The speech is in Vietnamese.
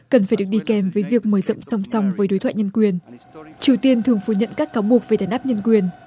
cần phải được đi kèm với việc mở rộng song song với đối thoại nhân quyền triều tiên thường phủ nhận các cáo buộc về đàn áp nhân quyền